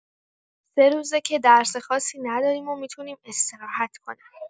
سه‌روزه که درس خاصی نداریم و می‌تونیم استراحت کنیم.